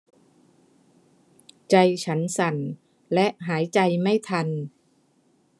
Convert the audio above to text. ใจฉันสั่นและหายใจไม่ทัน